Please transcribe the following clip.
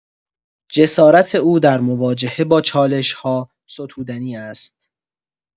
جسارت او در مواجهه با چالش‌ها ستودنی است.